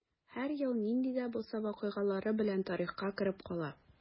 Һәр ел нинди дә булса вакыйгалары белән тарихка кереп кала.